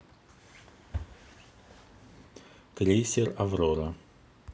крейсер аврора